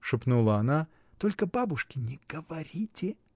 — шепнула она, — только бабушке не го-во-ри-те.